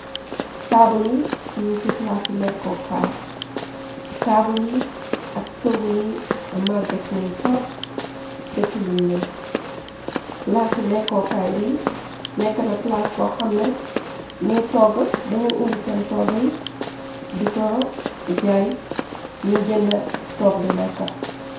Taabol yi ñu ci plaas ci lekkokaay taabul yi ak toggu yi magget nañ torop te tilim nañ plaas yi lekkokaay bi nekkna plaase bo xamne ñuy togg dañu indi seen togga y di ko jaay ñuy jënd togg di lekka.